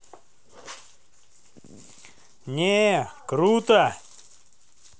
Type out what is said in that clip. не круто